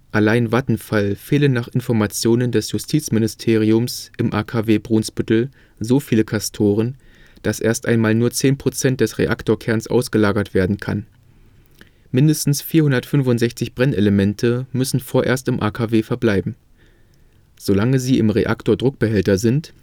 Allein Vattenfall fehlen nach Informationen des Justizministeriums im AKW Brunsbüttel so viele Castoren, dass erst einmal nur zehn Prozent des Reaktorkerns ausgelagert werden kann. Mindestens 465 Brennelemente müssen vorerst im AKW verbleiben. Solange sie im Reaktordruckbehälter sind